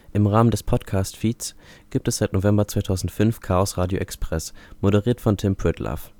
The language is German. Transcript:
Im Rahmen des Podcast-Feeds gibt es seit November 2005 Chaosradio Express moderiert von Tim Pritlove